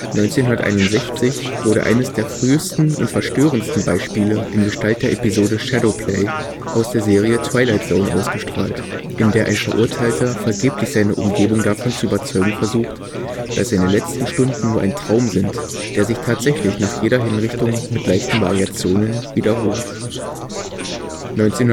1961 wurde eines der frühesten und verstörendsten Beispiele in Gestalt der Episode Shadow Play aus der Serie Twilight Zone ausgestrahlt, in der ein Verurteilter vergeblich seine Umgebung davon zu überzeugen versucht, dass seine letzten Stunden nur ein Traum sind, der sich tatsächlich nach jeder Hinrichtung – mit leichten Variationen – wiederholt. 1984